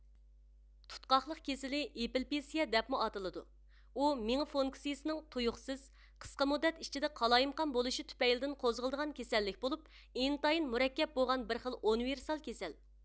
تۇتقاقلىق كېسىلى ئېپلېپسىيە دەپمۇ ئاتىلىدۇ ئۇ مېڭە فۇنكسىيىسىنىڭ تۇيۇقسىز قىسقا مۇددەت ئىچىدە قالايمىقان بولۇشى تۈپەيلىدىن قوزغىلىدىغان كېسەللىك بولۇپ ئىنتايىن مۇرەككەپ بولغان بىرخىل ئۇنىۋېرسال كېسەل